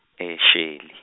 e- Shelly.